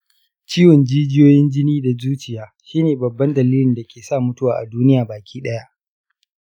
ciwon jijiyoyin jini da zuciya shi ne babban dalilin dake sa mutuwa a duniya baki ɗaya.